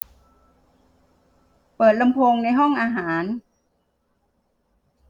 เปิดลำโพงในห้องอาหาร